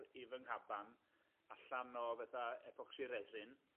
i fy nghaban allan o fetha epoxy resin